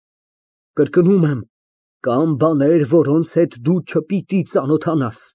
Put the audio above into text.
Կրկնում եմ, կան բաներ, որոնց հետ դու չպիտի ծանոթանաս։